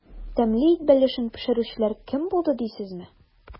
Тәмле ит бәлешен пешерүчеләр кем булды дисезме?